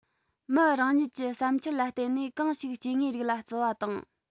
མི རང ཉིད ཀྱི བསམ འཆར ལ བརྟེན ནས གང ཞིག སྐྱེ དངོས རིགས ལ བརྩི བ དང